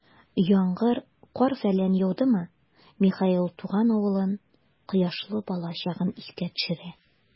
Яңгыр, кар-фәлән яудымы, Михаил туган авылын, кояшлы балачагын исенә төшерә.